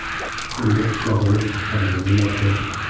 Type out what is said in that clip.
endi qishlog'imiz shaharga aylanarkan